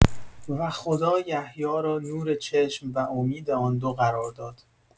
اما خدا یحیی را نور چشم، و امید آن دو قرار داد.